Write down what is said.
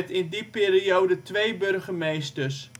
in die periode twee burgemeesters